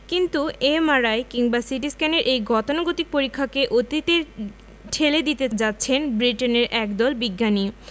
কিন্তু এমআরআই কিংবা সিটিস্ক্যানের এই গতানুগতিক পরীক্ষাকে অতীতে ঠেলে দিতে যাচ্ছেন ব্রিটেনের একদল বিজ্ঞানী